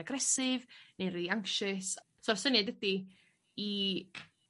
aggresive ne' ry anxious. So y syniad ydi i